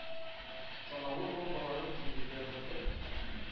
Санаулы бомбаларын диңгезгә ыргытып,